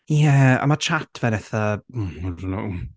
Ie a mae chat fe'n eitha... Mm I don't know.